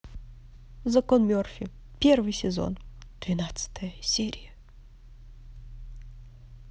закон мерфи первый сезон двенадцатая серия